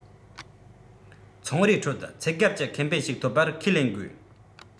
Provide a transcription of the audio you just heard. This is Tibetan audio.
ཚོང རའི ཁྲོད ཚད བརྒལ གྱི ཁེ ཕན ཞིག ཐོབ པར ཁས ལེན དགོས